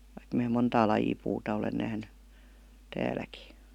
vaikka minä montaa lajia puuta olen nähnyt täälläkin